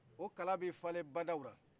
o kala bɛ falen badaw la